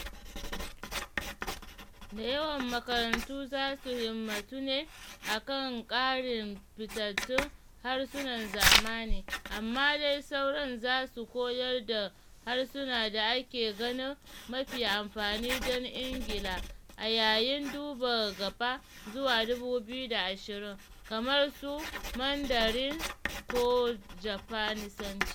Da yawan makarantu za su himmatu ne a kan karin fitattun harsunan zamani, amma dai sauran za su koyar da harsuna da ake ganin mafi amfani don Ingila a yayin duba gaba zuwa 2020, kamar su Mandarin ko Jafanisanci.